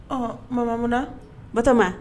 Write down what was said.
Ɔ mama mun ba